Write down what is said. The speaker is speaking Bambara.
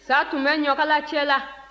sa tun bɛ ɲɔkala cɛ la